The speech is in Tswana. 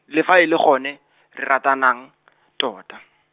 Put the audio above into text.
le fa e le gone, re ratanang, tota.